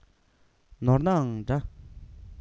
ནོར ནའང འདྲ